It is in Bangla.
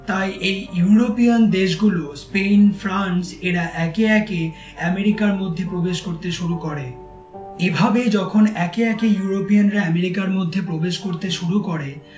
তাই এ ইউরোপিয়ান দেশগুলো স্পেন ফ্রান্স এরা একে একে এমেরিকার মধ্যে প্রবেশ করতে শুরু করে এভাবে যখন একে একে ইউরোপিয়ানরা এমেরিকার মধ্যে প্রবেশ করতে শুরু করে